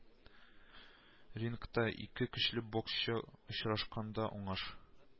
Рингта ике көчле боксчы очрашканда уңыш